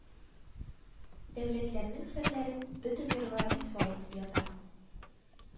Дәүләтләрнең серләрен бөтен мирга рисвай итеп ята